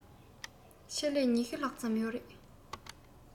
ཆེད ལས ༢༠ ལྷག ཙམ ཡོད རེད